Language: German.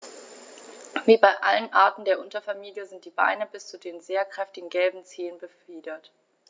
Wie bei allen Arten der Unterfamilie sind die Beine bis zu den sehr kräftigen gelben Zehen befiedert.